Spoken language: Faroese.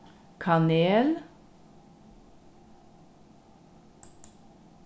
kanel